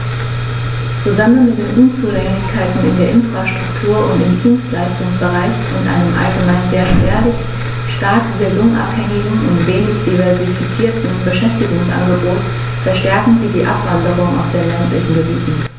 Zusammen mit den Unzulänglichkeiten in der Infrastruktur und im Dienstleistungsbereich und einem allgemein sehr spärlichen, stark saisonabhängigen und wenig diversifizierten Beschäftigungsangebot verstärken sie die Abwanderung aus den ländlichen Gebieten.